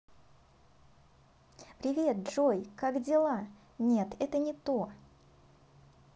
привет джой как дела нет это не то